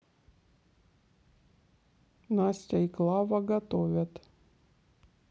настя и клава готовят